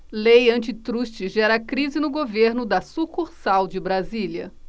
lei antitruste gera crise no governo da sucursal de brasília